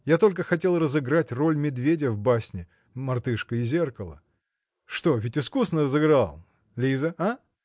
Я только хотел разыграть роль медведя в басне Мартышка и зеркало . Что, ведь искусно разыграл? Лиза, а?